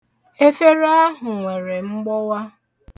Efere ahụ nwere mgbọwa.